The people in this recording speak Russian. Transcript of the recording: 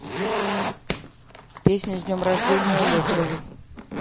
песня с днем рождения аллегровой